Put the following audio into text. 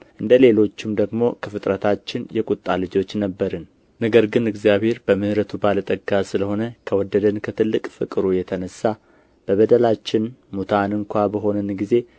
እንደ ሌሎቹም ደግሞ ከፍጥረታችን የቁጣ ልጆች ነበርን ነገር ግን እግዚአብሔር በምሕረቱ ባለ ጠጋ ስለ ሆነ ከወደደን ከትልቅ ፍቅሩ የተነሣ በበደላችን ሙታን እንኳ በሆንን ጊዜ